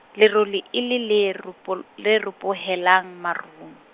lerole e le le ropol-, le ropohelang marung.